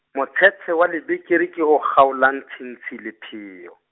motshetshe wa lebekere ke o kgaolang tshintshi lepheyo.